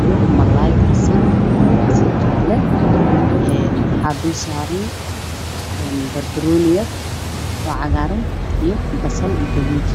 iyo malay karsan midabkiisa yahay jaalle waxaa dul saaran banbanooni yar oo cagaar iyo basal gaduud.